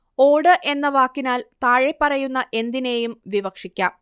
ഓട് എന്ന വാക്കിനാൽ താഴെപ്പറയുന്ന എന്തിനേയും വിവക്ഷിക്കാം